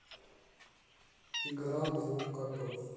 игра двух котов